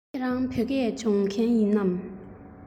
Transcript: ཁྱེད རང བོད སྐད སྦྱོང མཁན ཡིན པས